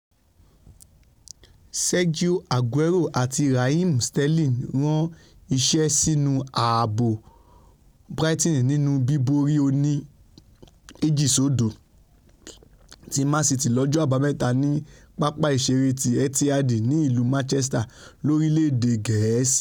Sergio Aguero àti Raheem Sterling rán iṣẹ́ sínú ààbò Brighton nínú bíborí oní 2-0 ti Manchester City lọ́jọ́ Àbámẹta ni Pápá Ìṣeré ti Etihad ní ìlú Manchester, lorílẹ̀-èdè Gẹ̀ẹ́sì.